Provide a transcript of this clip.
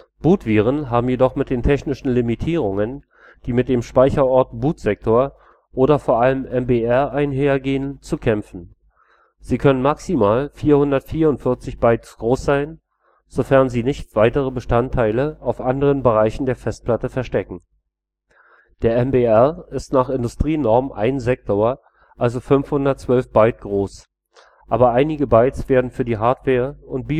Bootviren haben jedoch mit den technischen Limitierungen, die mit dem Speicherort „ Bootsektor “oder vor allem „ MBR “einhergehen, zu kämpfen: Sie können maximal 444 Bytes groß sein, sofern sie nicht noch weitere Bestandteile auf anderen Bereichen der Festplatte verstecken. Der MBR ist nach Industrienorm ein Sektor, also 512 Byte groß, aber einige Bytes werden für die Hardware - und